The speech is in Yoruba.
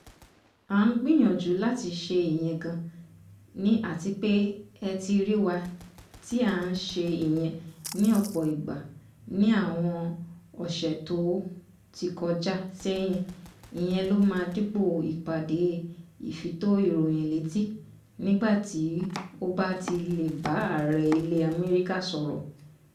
À ń gbìyànjú láti ṣe ìyẹn gan ni àtipé ẹ ti rí wá tí a ń ṣe ìyẹn ní ọ̀pọ̀ ìgbà ní àwọn ọ̀ṣẹ́ tó ti kọjá ṣẹ́hìn. Ìyẹn ló máa dípò ìpàdé ìfitóníròyìnlétí nígbàtí o bá ti le bá ààrẹ ilẹ̀ Amẹ́ríkà sọ̀rọ̀.”